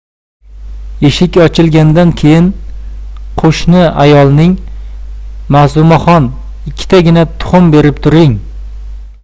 eshik ochilgandan keyin qo'shni ayolning ma'sumaxon ikkitagina tuxum berib turing